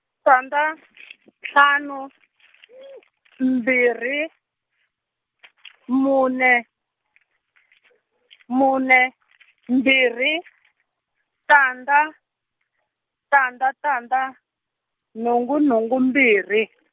tandza , ntlhanu, mbirhi, mune, mune, mbirhi, tandza, tandza tandza, nhungu nhungu mbirhi.